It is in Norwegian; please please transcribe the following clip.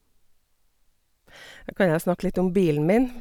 Da kan jeg snakke litt om bilen min.